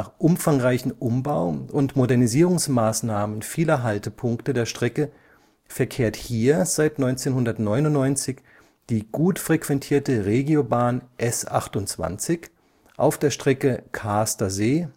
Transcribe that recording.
umfangreichen Umbau - und Modernisierungsmaßnahmen vieler Haltepunkte der Strecke verkehrt hier seit 1999 die gut frequentierte Regiobahn S 28 auf der Strecke Kaarster See